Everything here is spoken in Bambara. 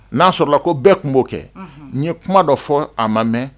N'a sɔrɔla sɔrɔ ko bɛɛ tun b'o kɛ, unhun, n ye kuma dɔ fɔ a ma mɛn